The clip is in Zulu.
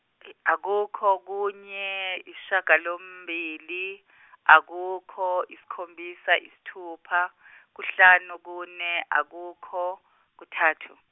e akhukho kunye ishakalombili akhukho isikhombisa isithupha kuhlanu kune akhukho kuthatu.